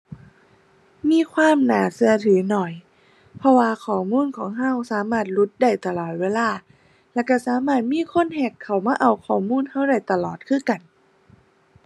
มีความน่าเชื่อถือน้อย เพราะว่าข้อมูลของเชื่อสามารถหลุดได้ตลอดเวลา แล้วเชื่อสามารถมีคน แฮ็กเข้ามาเอาข้อมูลเชื่อได้ตลอดคือกัน